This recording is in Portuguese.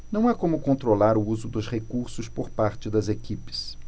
não há como controlar o uso dos recursos por parte das equipes